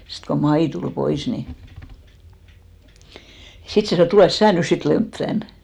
sitten kun Maija tuli pois niin sitten se sanoi että tule sinä nyt sitten Lempi tänne